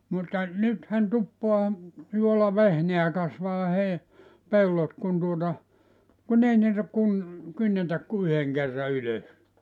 mutta nythän tuppaa juolavehnää kasvaa - pellot kun tuota kun ei niitä - kynnetä kuin yhden kerran ylös